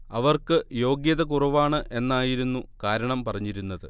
അവർക്ക് യോഗ്യത കുറവാണ് എന്നായിരുന്നു കാരണം പറഞ്ഞിരുന്നത്